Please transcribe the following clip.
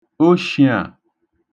oshīà